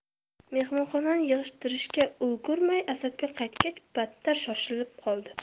mehmonxonani yig'ishtirishga ulgurmay asadbek qaytgach battar shoshilib qoldi